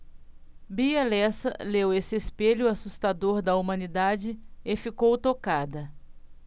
bia lessa leu esse espelho assustador da humanidade e ficou tocada